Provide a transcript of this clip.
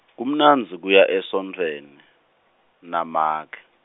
kumnandzi kuya esontsweni, na make.